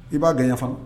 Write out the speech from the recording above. I b'a gagné fana